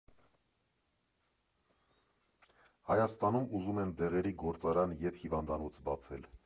Հայաստանում ուզում են դեղերի գործարան և հիվանդանոց բացել։